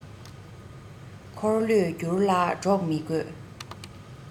འཁོར ལོས བསྒྱུར ལ གྲོགས མི དགོས